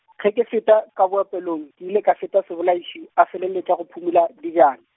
ge ke feta, ka boapeelong, ke ile ka feta Sebolaiši, a feleletša go phumola, dibjana.